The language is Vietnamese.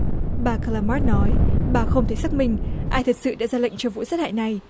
bà ca la mác nói bà không thể xác minh ai thật sự đã ra lệnh cho vụ sát hại này